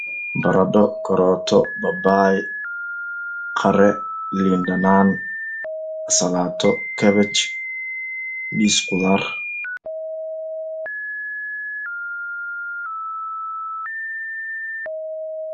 Baradho karooto babaayo qare liin dhanaan